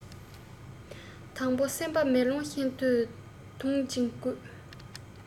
དང པོ སེམས པ མེ ལོང བཞིན དུ དྭངས གཅིག དགོས